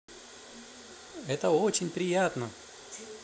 что очень приятно